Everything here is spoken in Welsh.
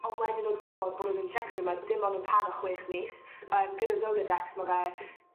On' wedyn o'dd gwbod bod yr injection 'ma dim ond yn para chwech mis yym gyda Zoladex ma' fe